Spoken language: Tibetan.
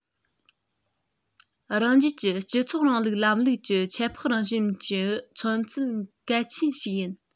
རང རྒྱལ གྱི སྤྱི ཚོགས རིང ལུགས ལམ ལུགས ཀྱི ཁྱད འཕགས རང བཞིན གྱི མཚོན ཚུལ གལ ཆེན ཞིག ཡིན